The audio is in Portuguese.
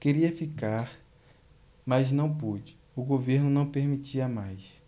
queria ficar mas não pude o governo não permitia mais